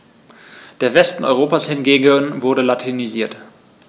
Der Westen Europas hingegen wurde latinisiert.